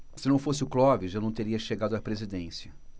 se não fosse o clóvis eu não teria chegado à presidência